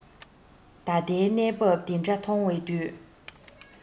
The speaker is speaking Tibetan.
ད ལྟའི གནས བབས འདི འདྲ མཐོང བའི དུས